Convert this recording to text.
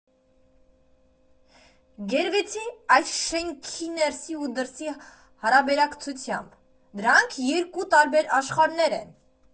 Գերվեցի այս շենքի ներսի ու դրսի հարաբերակցությամբ՝ դրանք երկու տարբեր աշխարհներ են»։